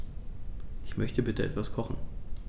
Ich möchte bitte etwas kochen.